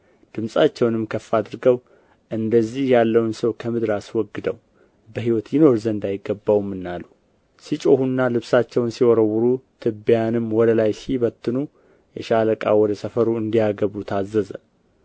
ድምፃቸውንም ከፍ አድርገው እንደዚህ ያለውን ሰው ከምድር አስወግደው በሕይወት ይኖር ዘንድ አይገባውምና አሉ ሲጮኹና ልብሳቸውን ሲወረውሩ ትቢያንም ወደ ላይ ሲበትኑ የሻለቃው ወደ ሰፈሩ እንዲያገቡት አዘዘ